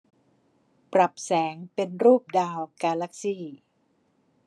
ปรับแสงเป็นรูปดาวกาแลกซี่